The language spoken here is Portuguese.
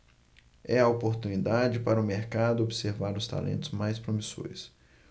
é a oportunidade para o mercado observar os talentos mais promissores